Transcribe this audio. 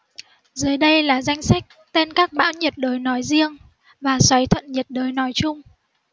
dưới đây là danh sách tên các bão nhiệt đới nói riêng và xoáy thuận nhiệt đới nói chung